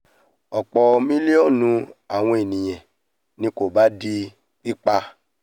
Ọ̀pọ̀ mílíọ̀nù àwọn eniyan ní kòbá di pípa.